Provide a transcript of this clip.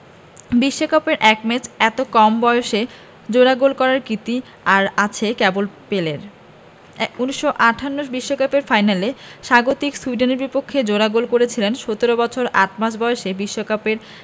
বিশ্বকাপের এক ম্যাচে এত কম বয়সে জোড়া গোল করার কীর্তি আর আছে কেবল পেলের ১৯৫৮ বিশ্বকাপের ফাইনালে স্বাগতিক সুইডেনের বিপক্ষে জোড়া গোল করেছিলেন ১৭ বছর ৮ মাস বয়সে বিশ্বকাপে